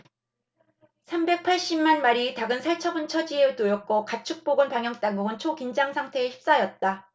삼백 팔십 만 마리의 닭은 살처분될 처지에 놓였고 가축보건 방역당국은 초긴장 상태에 휩싸였다